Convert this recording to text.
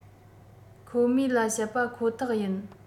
ཁོ མོས ལ བཤད པ ཁོ ཐག ཡིན